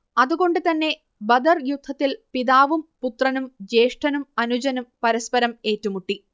അത് കൊണ്ട് തന്നെ ബദർ യുദ്ധത്തിൽ പിതാവും പുത്രനും ജ്യേഷ്ഠനും അനുജനും പരസ്പരം ഏറ്റുമുട്ടി